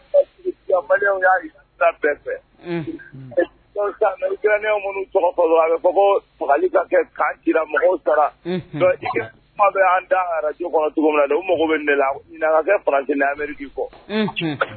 Fɛ minnu bɛ kɛ da araj o min la fara fɔ